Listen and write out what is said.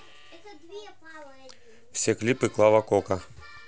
все клипы клава кока